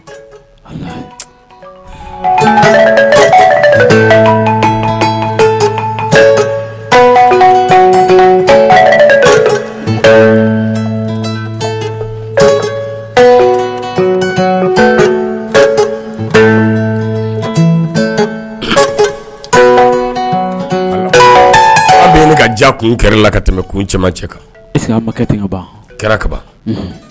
An bɛ ka ja kun kɛra la ka tɛmɛ kun cɛman cɛ kan ibakɛ tɛ ka ban kɛra ka ban